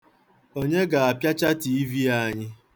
Onye ga-apịacha tiivii anyị?